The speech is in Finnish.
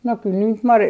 no kyllä niitä marjoja